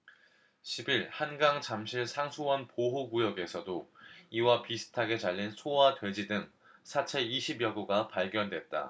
십 일 한강 잠실 상수원 보호구역에서도 이와 비슷하게 잘린 소와 돼지 등 사체 이십 여 구가 발견됐다